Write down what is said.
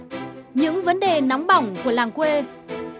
những vẫn đề nóng bỏng của làng quê